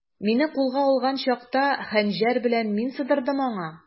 Мине кулга алган чакта, хәнҗәр белән мин сыдырдым аңа.